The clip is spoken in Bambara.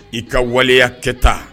I ka waleya kɛ taa